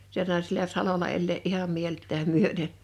sen sai siellä salolla elää ihan mieltään myöten